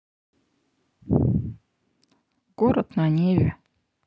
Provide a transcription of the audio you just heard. город на неве